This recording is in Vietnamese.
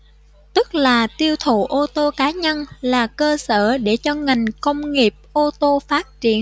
tức là tiêu thụ ô tô cá nhân là cơ sở để cho ngành công nghiệp ô tô phát triển